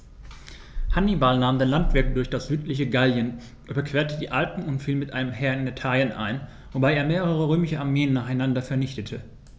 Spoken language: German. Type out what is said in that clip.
Hannibal nahm den Landweg durch das südliche Gallien, überquerte die Alpen und fiel mit einem Heer in Italien ein, wobei er mehrere römische Armeen nacheinander vernichtete.